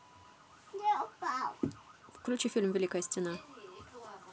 включить фильм великая стена